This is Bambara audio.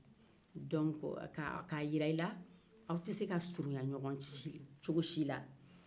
k'a jira i la aw tɛ se ka surunya ɲɔgɔn na cogo si la